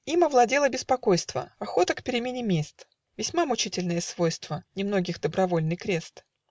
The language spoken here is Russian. Им овладело беспокойство, Охота к перемене мест (Весьма мучительное свойство, Немногих добровольный крест).